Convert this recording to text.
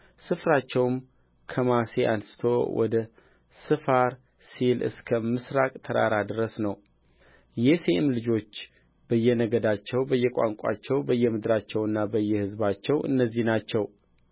ስፍራቸውም ከማሴ አንሥቶ ወደ ስፋር ሲል እስከ ምሥራቅ ተራራ ድረስ ነው የሴም ልጆች በየነገዳቸውና በየቋንቋቸው በየምድራቸውና በየሕዝባቸው እነዚህ ናቸው